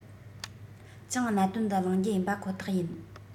ཀྱང གནད དོན འདི གླེང རྒྱུ ཡིན པ ཁོ ཐག ཡིན